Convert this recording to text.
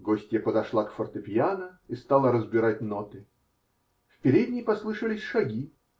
Гостья подошла к фортепиано и стала разбирать ноты. В передней послышались шаги.